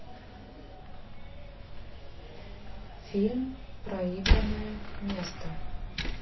фильм проигранное место